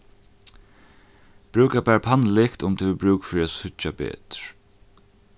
brúka bara pannulykt um tú hevur brúk fyri at síggja betur